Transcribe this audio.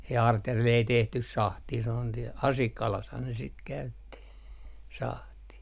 ja Artjärvellä ei tehty sahtia se on siellä Asikkalassahan ne sitten käytti sahtia